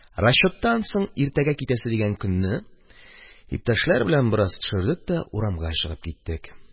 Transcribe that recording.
Расчёттан соң, иртәгә китәсе дигән көнне, иптәшләр белән бераз төшердек тә урамга чыгып киттек